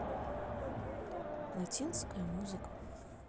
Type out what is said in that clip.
латинская музыка